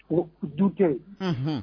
Ko du tɛ